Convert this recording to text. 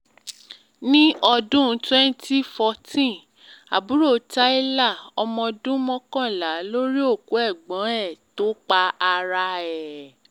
Ní ọdún 2014, àbúrò Tyler, ọmo-ọdún 11, ló rí òkú ẹ̀gbọ́n ẹ̀ tó pa ara ẹ̀.